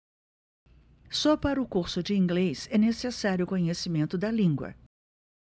só para o curso de inglês é necessário conhecimento da língua